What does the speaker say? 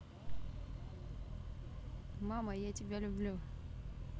мама я тебя люблю